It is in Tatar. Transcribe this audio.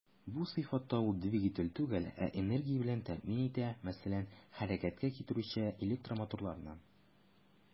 Бу сыйфатта ул двигатель түгел, ә энергия белән тәэмин итә, мәсәлән, хәрәкәткә китерүче электромоторларны.